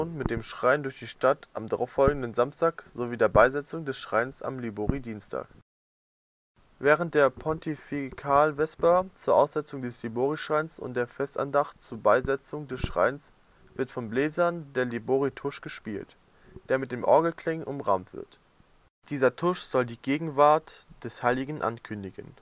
mit dem Schrein durch die Stadt am darauf folgenden Sonntag sowie die Beisetzung des Schreins am Libori-Dienstag. Während der Pontifikalvesper zur Aussetzung des Liborischreins und der Festandacht zur Beisetzung des Schreins wird von Bläsern der „ Libori-Tusch “gespielt, der mit Orgelklängen umrahmt wird. Dieser Tusch soll die die Gegenwart des Heiligen ankündigen